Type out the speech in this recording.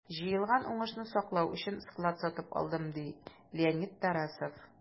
Җыелган уңышны саклау өчен склад сатып алдым, - ди Леонид Тарасов.